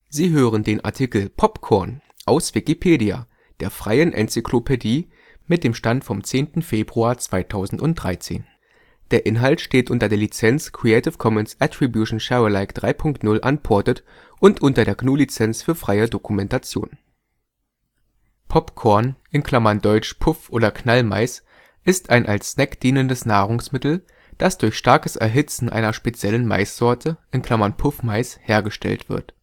Sie hören den Artikel Popcorn, aus Wikipedia, der freien Enzyklopädie. Mit dem Stand vom Der Inhalt steht unter der Lizenz Creative Commons Attribution Share Alike 3 Punkt 0 Unported und unter der GNU Lizenz für freie Dokumentation. Dieser Artikel befasst sich mit erhitztem Mais; für andere Bedeutungen siehe Popcorn (Begriffsklärung). Popcorn Popcorn (deutsch: Puff - oder Knallmais) ist ein als Snack dienendes Nahrungsmittel, das durch starkes Erhitzen einer speziellen Maissorte (Puffmais) hergestellt wird